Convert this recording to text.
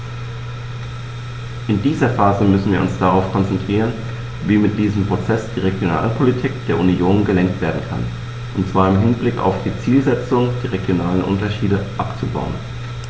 In dieser Phase müssen wir uns darauf konzentrieren, wie mit diesem Prozess die Regionalpolitik der Union gelenkt werden kann, und zwar im Hinblick auf die Zielsetzung, die regionalen Unterschiede abzubauen.